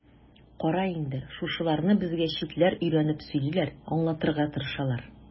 Кара инде, шушыларны безгә читләр өйрәнеп сөйлиләр, аңлатырга тырышалар.